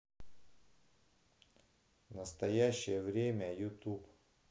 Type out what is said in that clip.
настоящее время ютуб